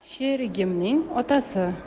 sherigimning otasi